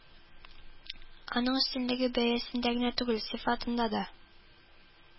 Аның өстенлеге бәясендә генә түгел, сыйфатында да